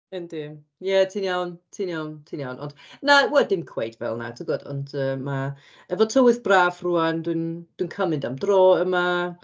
Yndi. Ie ti'n iawn. Ti'n iawn. Ti'n iawn. Ond na, wel dim cweit fel 'na, ti'n gwybod, ond yy ma'... efo tywydd braf rŵan dwi'n dwi'n cael mynd am dro yma.